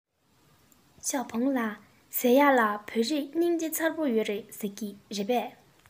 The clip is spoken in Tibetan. ཞའོ ཧྥུང ལགས ཟེར ཡས ལ བོད རིགས སྙིང རྗེ ཚ པོ ཡོད རེད ཟེར གྱིས རེད པས